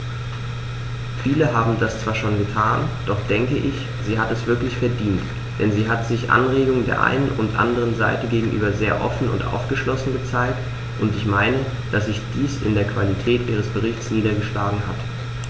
Viele haben das zwar schon getan, doch ich denke, sie hat es wirklich verdient, denn sie hat sich Anregungen der einen und anderen Seite gegenüber sehr offen und aufgeschlossen gezeigt, und ich meine, dass sich dies in der Qualität ihres Berichts niedergeschlagen hat.